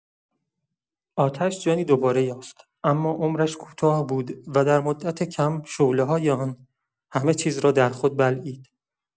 آتش جانی دوباره یافت، اما عمرش کوتاه بود و در مدت کم شعله‌های آن، همه‌چیز را در خود بلعید.